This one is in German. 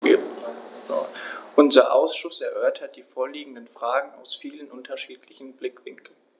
Unser Ausschuss erörtert die vorliegenden Fragen aus vielen unterschiedlichen Blickwinkeln.